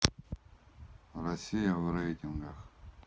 россия в рейтингах